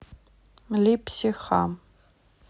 липси ха